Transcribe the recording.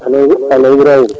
alo Ibrahima